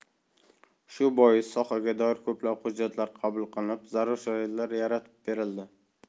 shu bois sohaga doir ko'plab hujjatlar qabul qilinib zarur sharoitlar yaratib berildi